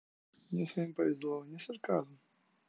мне с вами повезло не сарказм